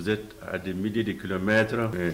Peut-être à des milliers de kilomètres que